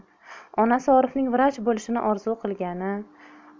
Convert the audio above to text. onasi orifning vrach bo'lishini orzu qilgani